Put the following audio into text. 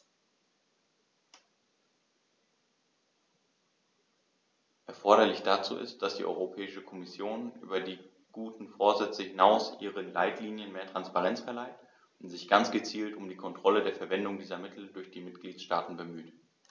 Erforderlich dazu ist, dass die Europäische Kommission über die guten Vorsätze hinaus ihren Leitlinien mehr Transparenz verleiht und sich ganz gezielt um die Kontrolle der Verwendung dieser Mittel durch die Mitgliedstaaten bemüht.